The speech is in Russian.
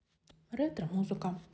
ретро музыка